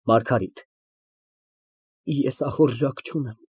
ՄԱՐԳԱՐԻՏ ֊ Ես ախորժակ չունեմ։